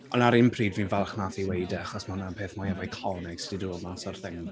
Ond ar yr un pryd, fi'n falch wnaeth hi weud e achos ma' hwnna'n y peth fwyaf eiconig sy 'di dod mas o'r thing.